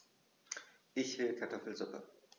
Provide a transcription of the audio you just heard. Ich will Kartoffelsuppe.